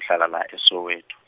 ngihlala la e- Soweto.